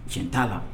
Cɛn t'a la